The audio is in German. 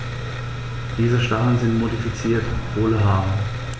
Diese Stacheln sind modifizierte, hohle Haare.